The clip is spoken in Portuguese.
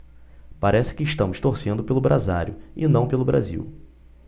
parece que estamos torcendo pelo brasário e não pelo brasil